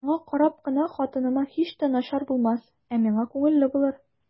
Моңа карап кына хатыныма һич тә начар булмас, ә миңа күңелле булыр.